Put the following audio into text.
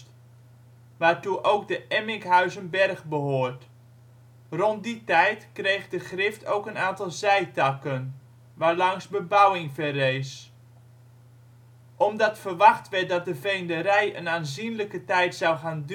ook de Emmikhuizenberg behoort Rond die tijd kreeg de Grift ook een aantal zijtakken, waarlangs bebouwing verrees. Omdat verwacht werd dat de veenderij een aanzienlijke tijd zou gaan duren